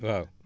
waaw